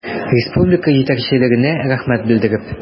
Республика җитәкчелегенә рәхмәт белдереп.